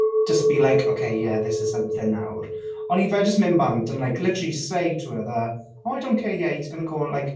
Just be like, ok, yeah, this is something now. Ond i fe jyst mynd bant, and like literally say to her that, "Oh, I don't care, yeah, he's going to go out like..."